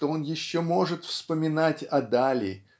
что он еще может вспоминать о дали